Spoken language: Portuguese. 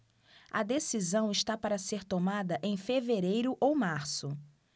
a decisão está para ser tomada em fevereiro ou março